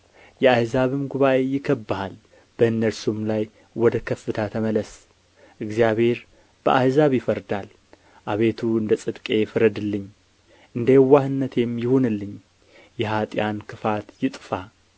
የአሕዛብም ጉባኤ ይከብብሃል በእነርሱም ላይ ወደ ከፍታ ተመለስ እግዚአብሔር በአሕዛብ ይፈርዳል አቤቱ እንደ ጽድቄ ፍረድልኝ እንደ የዋህነቴም ይሁንልኝ የኃጥኣን ክፋት ይጥፋ